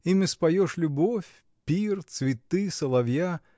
Ими споешь любовь, пир, цветы, соловья.